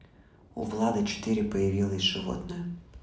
у влада четыре появилось животное